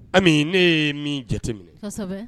Ami ne ye min jate minɛ